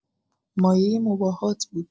مایه مباهات بود